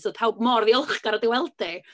So oedd pawb mor ddiolchgar o dy weld di.